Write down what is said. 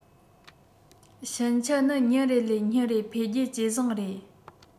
ཕྱིན ཆད ནི ཉིན རེ ལས ཉིན རེར འཕེལ རྒྱས ཇེ བཟང རེད